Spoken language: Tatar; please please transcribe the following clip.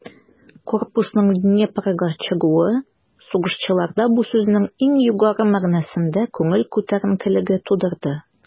Корпусның Днепрга чыгуы сугышчыларда бу сүзнең иң югары мәгънәсендә күңел күтәренкелеге тудырды.